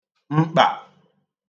mkpà